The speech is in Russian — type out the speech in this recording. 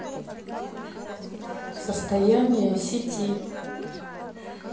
состояние сети